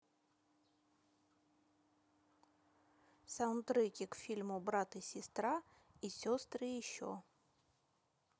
саундтреки к фильму брат и сестра и сестры еще